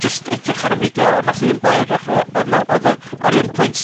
jyst edrych ar y fideo, ond nath un boi edrych a' fe odd 'na odd y ar un pwynt